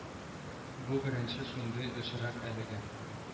Бу беренче шундый очрак әлегә